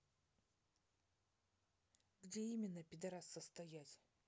где именно пидарас состоять